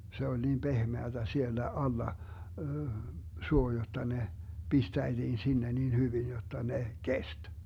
se oli niin pehmeää siellä alla suo jotta ne pistäitiin sinne niin hyvin jotta ne kesti